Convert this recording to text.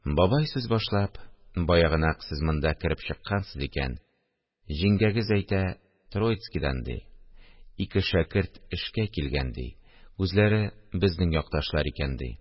Бабай, сүз башлап: – Баягынак сез монда кереп чыккансыз икән, җиңгәгез әйтә, Троицкидан, ди, ике шәкерт эшкә килгән, ди, үзләре безнең якташлар икән, ди